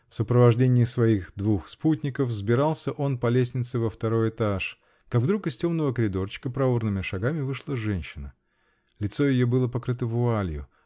В сопровождении своих двух спутников взбирался он по лестнице во второй этаж -- как вдруг из темного коридорчика проворными шагами вышла женщина: лицо ее было покрыто вуалью